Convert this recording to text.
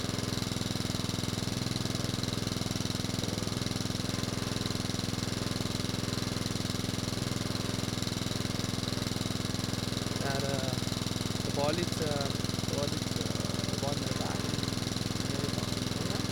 Og, ja, det er det var litt det var litt varmere vær i i i Nederland enn Trondhjem.